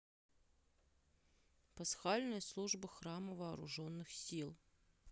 пасхальная служба храма вооруженных сил